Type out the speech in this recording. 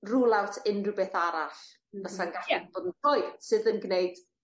rule out unrywbeth arall fasa gallu bod yn sydd yn gneud